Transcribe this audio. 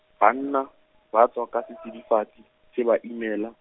banna, ba tswa ka setsidifatsi, se ba imela.